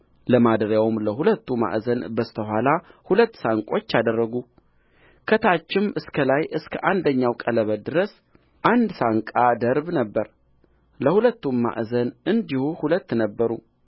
ለማደሪያውም ለሁለቱ ማዕዘን በስተ ኋላ ሁለት ሳንቆች አደረጉ ከታችም እስከ ላይ እስከ አንደኛው ቀለበት ድረስ አንድ ሳንቃ ድርብ ነበረ ለሁለቱም ማዕዘን እንዲሁ ሁለት ነበሩ